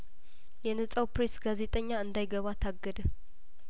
የነጻው ፕሬስ ጋዜጠኛ እንዳይገባ ታገደ